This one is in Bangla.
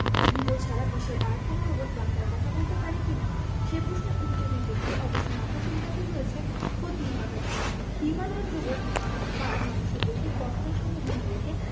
রিবো ছাড়া বিশ্বের আর কোনো রোবট বাংলায় কথা বলতে পারে কি না সে প্রশ্নের উত্তর দিতে গিয়ে অবশ্য মাথা চুলকাতে হয়েছে খোদ নির্মাতাদেরও হিউম্যানোয়েড রোবট বা মানুষের দৈহিক গঠনের সঙ্গে মিল রেখে